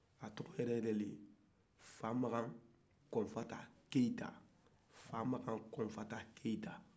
a tɔkɔ yɛrɛ yɛrɛ de ye famakan kɔnfata keyita